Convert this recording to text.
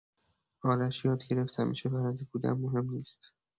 آرش یاد گرفت همیشه برنده بودن مهم نیست.